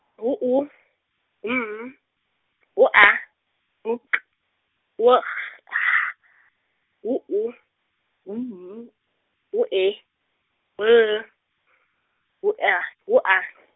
ngu U, ngu M, ngu A, ngu K, ngu H H, ngu U, ngu M, ngu E, ngu L , ngu L, ngu A .